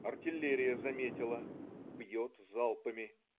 Артиллерия заметила - бьет залпами.